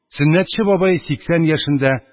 «сөннәтче бабай сиксән яшендә,